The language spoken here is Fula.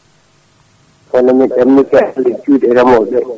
kono noon min ɗamini * e juuɗe remoɓeɓe